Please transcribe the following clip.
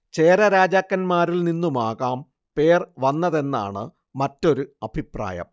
ചേര രാജാക്കന്മാരിൽ നിന്നുമാകാം പേർ വന്നതെന്നാണ് മറ്റൊരു അഭിപ്രായം